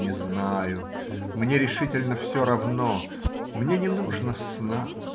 Не знаю; мне решительно все равно. Мне не нужно сна.